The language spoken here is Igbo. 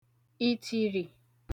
ìtìrì